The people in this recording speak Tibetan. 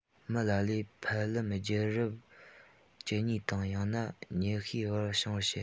མི ལ ལས ཕལ ལམ རྒྱུད རབས བཅུ གཉིས དང ཡང ན ཉི ཤུའི བར བྱུང བར བཤད